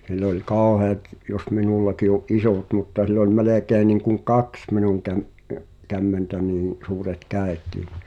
sillä oli kauheat jos minullakin on isot mutta sillä oli melkein niin kuin kaksi minun -- kämmentä niin suuret kädetkin niin